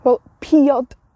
Wel, piod